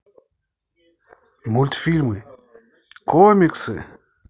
мультфильмы комиксы